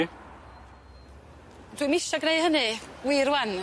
Ie. Dwi'm isio gneu' hynny, wir rŵan.